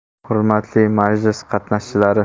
hurmatli majlis qatnashchilari